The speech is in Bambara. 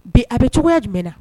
Bi a bɛ cogoyaya jumɛn na